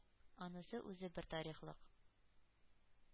Анысы үзе бер тарихлык.